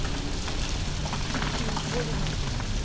ты уволена